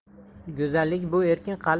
go'zallik bu erkin qalb